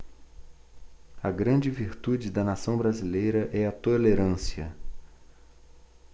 a grande virtude da nação brasileira é a tolerância